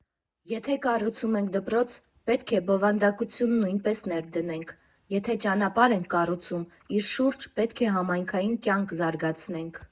Եթե կառուցում ենք դպրոց, պետք է բովանդակություն նույնպես ներդնենք։ Եթե ճանապարհ ենք կառուցում, իր շուրջ պետք է համայնքային կյանք զարգացնենք։